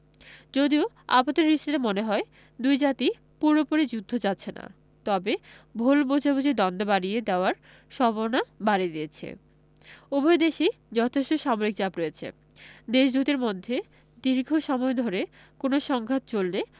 যদিও আপাতদৃষ্টিতে মনে হয় দুই জাতিই পুরোপুরি যুদ্ধ চাচ্ছে না তবে ভুল বোঝাবুঝি দ্বন্দ্ব বাড়িয়ে দেওয়ার সম্ভাবনা বাড়িয়ে দিয়েছে উভয় দেশেই যথেষ্ট সামরিক চাপ রয়েছে দেশ দুটির মধ্যে দীর্ঘ সময় ধরে কোনো সংঘাত চললে